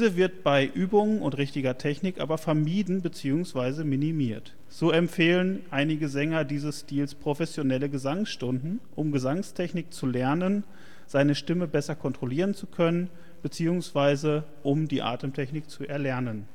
wird bei Übung und „ richtiger “Technik aber vermieden bzw. minimiert. So empfehlen einige Sänger dieses Stils professionelle Gesangsstunden, um Gesangstechnik zu lernen, seine Stimme besser kontrollieren zu können, bzw. um die Atemtechnik zu erlernen